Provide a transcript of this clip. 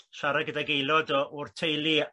siarad gydag aelod o o'r teulu